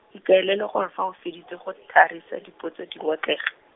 ikaelele gore fa o feditse go thadisa dipotso di ngotlege.